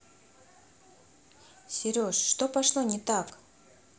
сереж что пошло не так